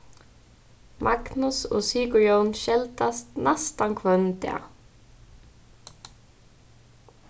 magnus og sigurjón skeldast næstan hvønn dag